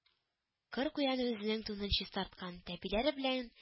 Кыр куяны үзенең тунын чистарткан, тәпиләре белән